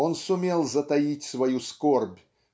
Он сумел затаить свою скорбь